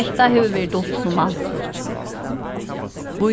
hetta hevur verið dult sum mansmorð